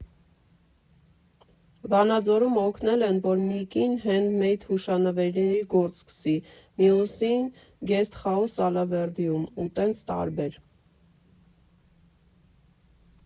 Վանաձորում օգնել են, որ մի կին հենդ֊մեյդ հուշանվերների գործ սկսի, մյուսին՝ գեսթ֊հաուս Ալավերդիում, ու տենց տարբեր։